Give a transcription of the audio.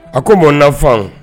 A ko mon enfant